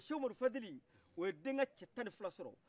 seko muhamudl fadli a ye denkɛ cɛ tannifila sɔrɔ